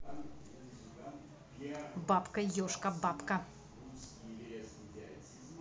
бабка ежка бабка